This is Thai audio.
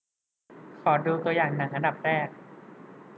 ขอดูตัวอย่างหนังอันดับแรก